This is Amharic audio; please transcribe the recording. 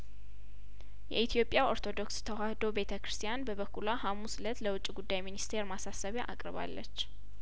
የኢትዮጵያ ኦርቶዶክስ ተዋህዶ ቤተ ክርስቲያን በበኩሏ ሀሙስ እለት ለውጭ ጉዳይ ሚኒስቴር ማሳሰቢያ አቅርባለች